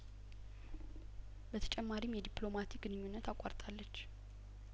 በተጨማሪም የዲፕሎማቲክ ግንኙነት አቋርጣለች